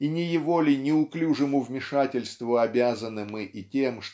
и не его ли неуклюжему вмешательству обязаны мы и тем